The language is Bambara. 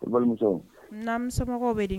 Balimamuso namusomɔgɔw bɛ di